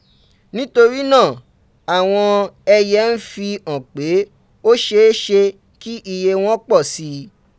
Nítorí náà, àwọn ẹyẹ ń fi hàn pé ó ṣeé ṣe kí iye wọn pọ̀ sí i.